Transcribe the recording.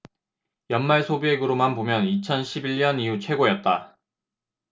연말 소비액으로만 보면 이천 십 일 년 이후 최고였다